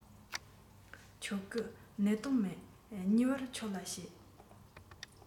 ཆོག གི གནད དོན མེད མྱུར བར ཁྱོད ལ བཤད